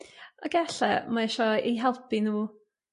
Ag elle ma' isio eu helpu nw